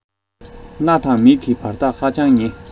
སྣ དང མིག གི བར ཐག ཧ ཅང ཉེ